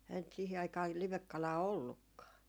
eihän nyt siihen aikaan livekalaa ollutkaan